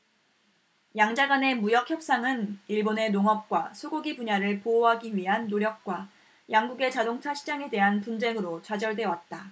양자간의 무역협상은 일본의 농업과 소고기 분야를 보호하기 위한 노력과 양국의 자동차 시장에 대한 분쟁으로 좌절돼왔다